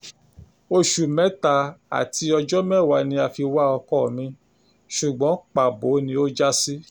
Oṣù mẹ́ta àti ọjọ́ mẹ́wàá ni a fi wá ọkọ mi, ṣùgbọ́n pàbó ni ó já sí ...